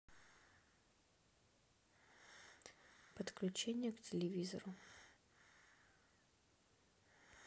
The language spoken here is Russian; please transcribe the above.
подключение к телевизору